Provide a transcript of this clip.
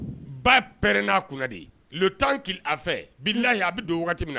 Ba pɛrɛn n'a kunna de tan a fɛ bila a bɛ don min na